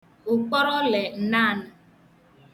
ụ̀kpọrọ lè ǹnanụ